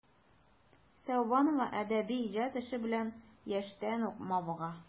Сәүбанова әдәби иҗат эше белән яшьтән үк мавыга.